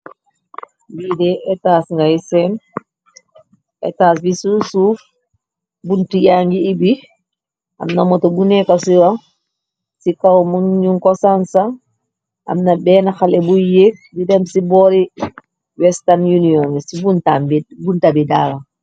Liide etas ngay seen etas bi su suuf bunti yangi ibi am na moto buneko siwa ci kaw mu ñu ko sansa am na benn xale buy yéef di dem ci boori western union ci bunta bi daala.